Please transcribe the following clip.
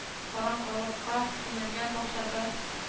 —караңгылыкка күмелгән бакчада